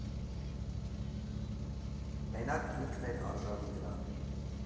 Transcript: Մենակ ինքն էր արժանի դրան։